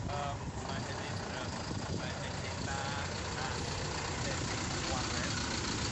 Yym mae hefyd yym mae mae'n deud na all meddyg wared, hynny yw